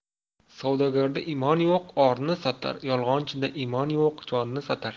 savdogarda imon yo'q orni sotar yolg'onchida imon yo'q jonni sotar